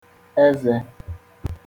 ẹzē